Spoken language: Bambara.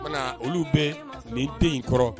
O kumana olu bɛ nin den in kɔrɔ.